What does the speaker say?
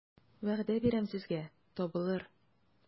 Вәгъдә бирәм сезгә, табылыр...